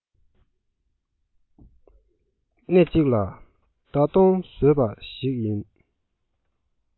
སྣེ གཅིག ལ མདའ ལྟོང བཟོས པ ཞིག ཡིན